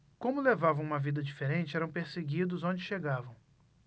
como levavam uma vida diferente eram perseguidos onde chegavam